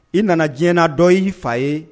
I nana diɲɛ na dɔ ye fa ye